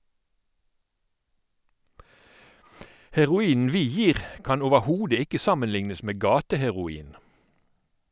Heroinen vi gir, kan overhodet ikke sammenlignes med gateheroin.